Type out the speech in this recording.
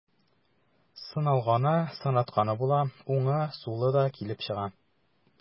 Сыналганы, сынатканы була, уңы, сулы да килеп чыга.